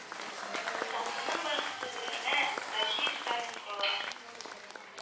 Халкының бәхетсезлегенә, “даһи” сталин кала.